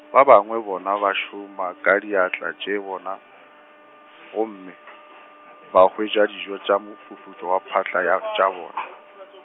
ba bangwe bona ba šoma ka diatla tše bona, gomme , ba hwetša dijo tša mefufutšo wa phahla ya, tša bona.